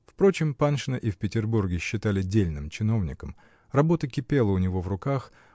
Впрочем, Паншина и в Петербурге считали дельным чиновником: работа кипела у него в руках